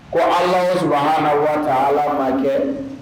Ko ala ye su na waa ala maa kɛ